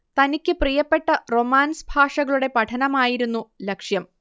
തനിക്ക് പ്രിയപ്പെട്ട റൊമാൻസ് ഭാഷകളുടെ പഠനമായിരുന്നു ലക്ഷ്യം